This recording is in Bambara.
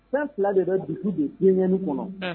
Fɛn 2 de bɛ dusu don denkɛnni kɔnɔ